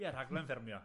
Ie rhaglen ffermio.